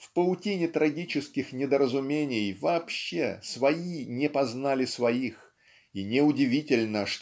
в паутине трагических недоразумений вообще свои не познали своих и неудивительно